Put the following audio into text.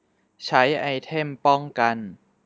ใช้ไอเทมป้องกัน